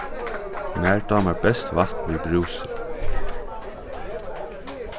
mær dámar best vatn við brúsi